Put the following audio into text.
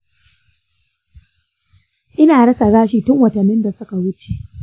ina rasa gashi tun watanni da suka wuce.